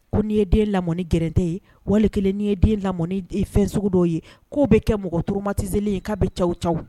Ko ni ye den lamɔn ni gɛrɛntɛ ye wali kelen ni ye den lamɔn ni fɛn sugu dɔw ye k'o bɛ kɛ mɔgɔ traumatisé li ye k'a bɛ caw caw.